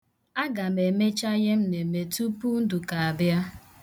Aga m emecha ihe m na-eme tupu Ndụka abịa.